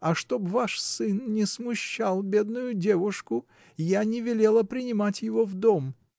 — А чтоб ваш сын не смущал бедную девушку, я не велела принимать его в дом!